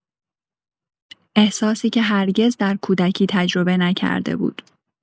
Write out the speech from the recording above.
احساسی که هرگز در کودکی تجربه نکرده بود